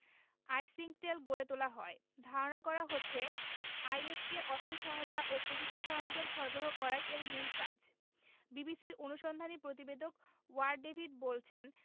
আইসিংকটেল গড়ে তোলা হয় ধারণা করা হচ্ছে আইএস কে অর্থ সহায়তা ও প্রযুক্তি সরঞ্জাম সরবরাহ করাই এর মূল কাজ বিবিসির অনুসন্ধানী প্রতিবেদক ওয়্যার ডেভিস বলছেন